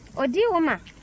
o di u ma